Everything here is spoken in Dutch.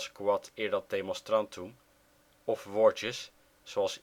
quod erat demonstrandum) of woordjes (idem, post scriptum